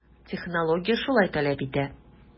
Технология шулай таләп итә.